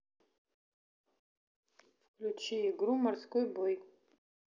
включи игру морской бой